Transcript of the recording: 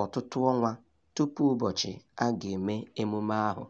ọtụtụ ọnwa tupu ụbọchị a ga-eme emume ahụ.